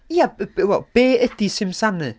Ia, b- b- wel be ydi Simsanu?